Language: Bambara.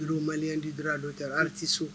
Malidi dɔrɔn dɔw ta ari tɛ so